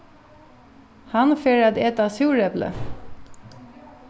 hann fer at eta súreplið